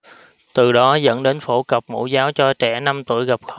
từ đó dẫn đến phổ cập mẫu giáo cho trẻ năm tuổi gặp khó